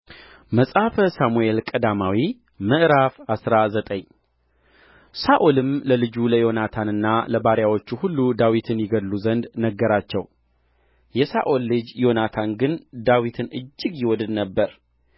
መጽሐፈ ሳሙኤል ቀዳማዊ ምዕራፍ አስራ ዘጠኝ ሳኦልም ለልጁ ለዮናታንና ለባሪያዎቹ ሁሉ ዳዊትን ይገድሉ ዘንድ ነገራቸው የሳኦል ልጅ ዮናታን ግን ዳዊትን እጅግ ይወድድ ነበር